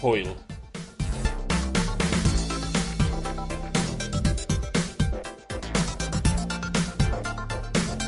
Hwyl.